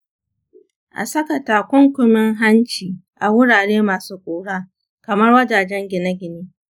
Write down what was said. a saka takunkumin hanci a wurare masu ƙura kamar wajajen gine-gine.